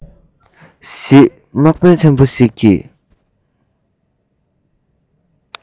ཞེས དམག དཔོན ཆེན པོ ཞིག གིས